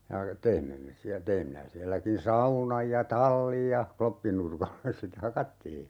ja teimme me siellä tein minä sielläkin saunan ja tallin ja kloppinurkalle se - hakattiin